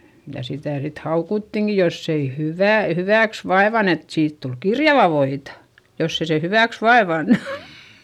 ja sitä sitten haukuttiinkin jos ei - hyväksi vaivannut että siitä tuli kirjavaa voita jos ei se hyväksi vaivannut